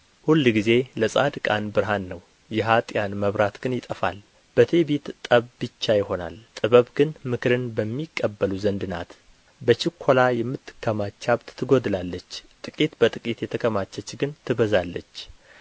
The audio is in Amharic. ሁልጊዜ ለጻድቃን ብርሃን ነው የኀጥኣን መብራት ግን ይጠፋል በትዕቢት ጠብ ብቻ ይሆናል ጥበብ ግን ምክርን በሚቀበሉ ዘንድ ናት በችኰላ የምትከማች ሀብት ትጐድላለች ጥቂት በጥቂት የተከማቸች ግን ትበዛለች